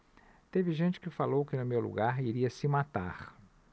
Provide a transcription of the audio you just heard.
teve gente que falou que no meu lugar iria se matar